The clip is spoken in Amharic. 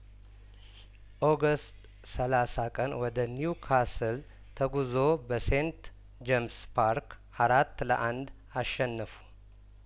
ኦገስት ሰላሳ ቀን ወደ ኒውካስል ተጉዞ በሴንት ጀምስ ፓርክ አራት ለአንድ አሸነፉ